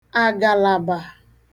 àgàlàbà